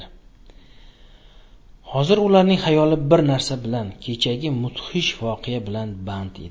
hozir ularning xayoli bir narsa bilan kechagi mudhish voqea bilan band edi